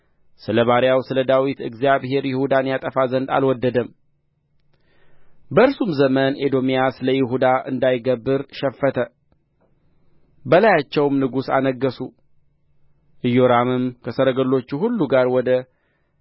ስለ ባሪያው ስለ ዳዊት እግዚአብሔር ይሁዳን ያጠፋ ዘንድ አልወደደም በእርሱም ዘመን ኤዶምያስ ለይሁዳ እንዳይገብር ሸፈተ በላያቸውም ንጉሥ አነገሡ ኢዮራምም ከሰረገሎቹ ሁሉ ጋር ወደ